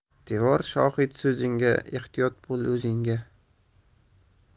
devor shohid so'zingga ehtiyot bo'l o'zingga